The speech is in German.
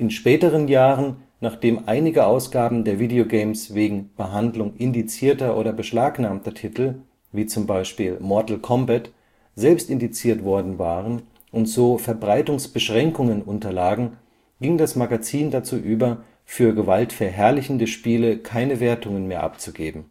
späteren Jahren, nachdem einige Ausgaben der VG wegen Behandlung indizierter oder beschlagnahmter Titel (wie zum Beispiel Mortal Kombat) selbst indiziert worden waren und so Verbreitungsbeschränkungen unterlagen, ging das Magazin dazu über, für gewaltverherrlichende Spiele keine Wertungen mehr abzugeben